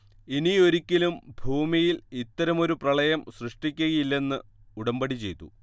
ഇനിയൊരിക്കലും ഭൂമിയിൽ ഇത്തരമൊരു പ്രളയം സൃഷ്ടിക്കയില്ലെന്ന് ഉടമ്പടി ചെയ്തു